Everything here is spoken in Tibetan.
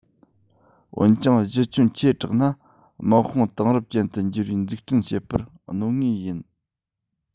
འོན ཀྱང གཞི ཁྱོན ཆེ དྲགས ན དམག དཔུང དེང རབས ཅན དུ འགྱུར བའི འཛུགས སྐྱོང བྱེད པར གནོད ངེས རེད